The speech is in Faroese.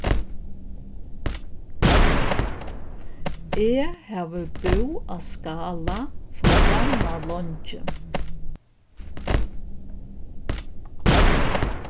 eg havi búð á skála forbannað leingi